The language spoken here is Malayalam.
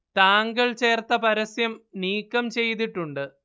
താങ്കൾ ചേർത്ത പരസ്യം നീക്കം ചെയ്തിട്ടുണ്ട്